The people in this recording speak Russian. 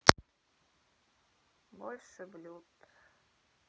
больше блюд